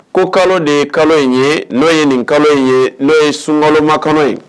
Ko kalo de ye kalo in ye n'o ye nin kalo in ye n'o ye sunkalomakɔnɔ ye